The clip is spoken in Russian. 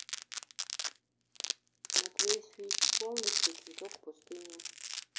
смотреть фильм полностью цветок пустыни